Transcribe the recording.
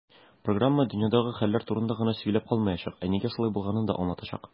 Программа "дөньядагы хәлләр турында гына сөйләп калмаячак, ә нигә шулай булганын да аңлатачак".